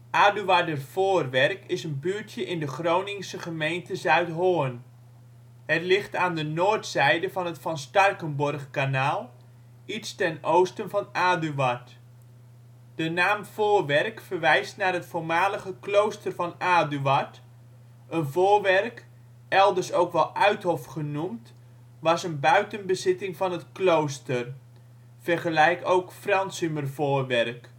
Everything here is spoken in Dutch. Aduardervoorwerk is een buurtje in de Groningse gemeente Zuidhorn. Het ligt aan de noordzijde van het van Starkenborghkanaal, iets ten oosten van Aduard. De naam voorwerk verwijst naar het voormalige klooster van Aduard. Een voorwerk, elders ook wel uithof genoemd, was een buitenbezitting van het klooster, vergelijk ook Fransumervoorwerk